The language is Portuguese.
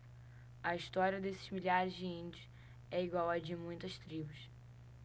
a história desses milhares de índios é igual à de muitas tribos